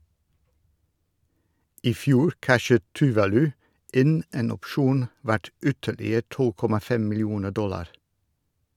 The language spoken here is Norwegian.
I fjor cashet Tuvalu inn en opsjon verdt ytterligere 12,5 millioner dollar.